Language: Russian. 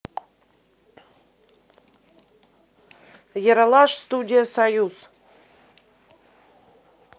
ералаш студия союз